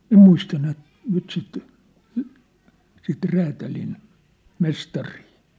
en muista nyt nyt sitä sitä räätälin mestaria